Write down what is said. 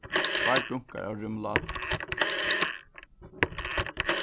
tveir dunkar av remulátu